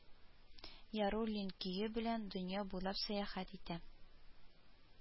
Яруллин көе белән дөнья буйлап сәяхәт итә